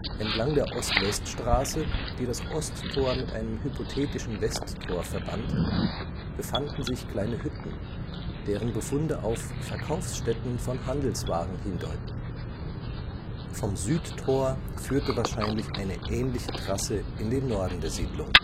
Entlang der Ost-West-Straße, die das Osttor mit einem hypothetischen Westtor verband, befanden sich kleine Hütten, deren Befunde auf Verkaufsstätten von Handelswaren hindeuten. Vom Südtor führte wahrscheinlich eine ähnliche Trasse in den Norden der Siedlung